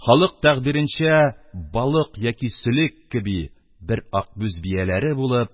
Халык тәгъбиренчә, балык яки сөлек кеби, бер акбүз бияләре булып